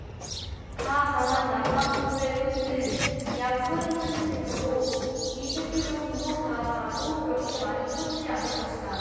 다 자란 남방부두의 크기는 약 서른 센티미터 정도로 이 새끼사슴도 다 자라도 그렇게 많이 커지지 않을 것이다